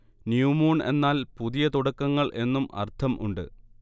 new moon എന്നാൽ പുതിയ തുടക്കങ്ങൾ എന്നും അര്ഥം ഉണ്ട്